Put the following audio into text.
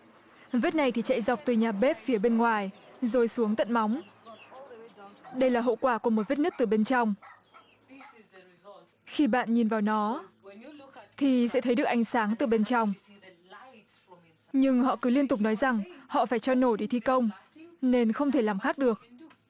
vết này thì chạy dọc từ nhà bếp phía bên ngoài rồi xuống tận móng đây là hậu quả của một vết nứt từ bên trong khi bạn nhìn vào nó thì sẽ thấy được ánh sáng từ bên trong nhưng họ cứ liên tục nói rằng họ phải cho nổ để thi công nên không thể làm khác được